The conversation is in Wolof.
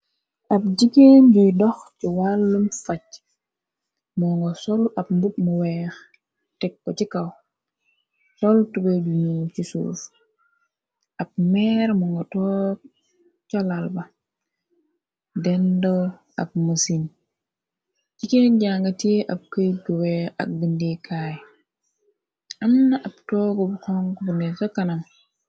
ab jigeen yuy dox ci wàllum facc moo nga solu ab mbub mu weex teg ko ci kaw sol tuge du num ci suuf ab meer mo nga toog colalba dendol ab musin jigeen jàng tie ab këy juweex ak bindeekaay amna ab toog bu xong bune sa kanam